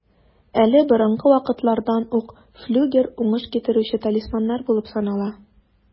Әле борынгы вакытлардан ук флюгер уңыш китерүче талисманнар булып саналган.